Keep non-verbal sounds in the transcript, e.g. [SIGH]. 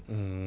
[HESITATION] [HESITATION]